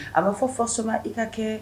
A bɛa fɔ faso i ka kɛ